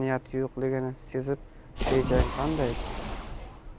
niyati yo'qligini sezib rejang qanday